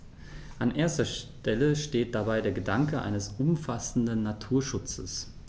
An erster Stelle steht dabei der Gedanke eines umfassenden Naturschutzes.